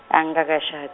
angkakashad-.